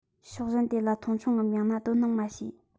ཕྱོགས གཞན དེ ལ མཐོང ཆུང ངམ ཡང ན དོ སྣང མ བྱས